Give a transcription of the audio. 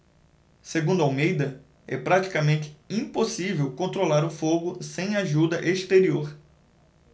segundo almeida é praticamente impossível controlar o fogo sem ajuda exterior